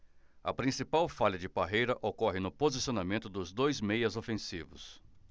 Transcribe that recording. a principal falha de parreira ocorre no posicionamento dos dois meias ofensivos